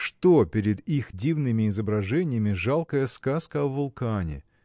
Что перед их дивными изображениями жалкая сказка о Вулкане?